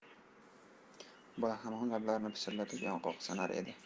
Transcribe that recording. bola hamon lablarini pichirlatib yong'oq sanar edi